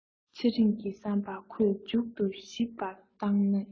ཚེ རིང གི བསམ པར ཁོས མཇུག ཏུ ཞིབ པར བཏང ནས